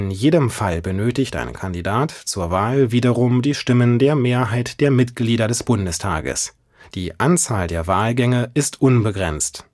jedem Fall benötigt ein Kandidat zur Wahl wiederum die Stimmen der Mehrheit der Mitglieder des Bundestages. Die Anzahl der Wahlgänge ist unbegrenzt